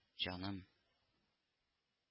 Җаным